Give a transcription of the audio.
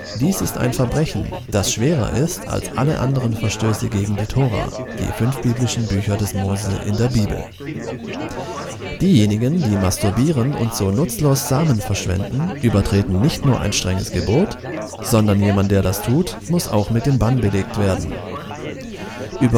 Dies ist ein Verbrechen, das schwerer ist, als alle anderen Verstösse gegen die Thora (die fünf Bücher des Moses in der Bibel). Diejenigen, die masturbieren und so nutzlos Samen verschwenden, übertreten nicht nur ein strenges Gebot, sondern jemand der das tut, muss auch mit dem Bann belegt werden. Über